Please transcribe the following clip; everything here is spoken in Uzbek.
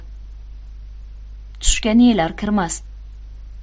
tushga nelar kirmas